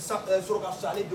Sɔrɔ ka sa ale don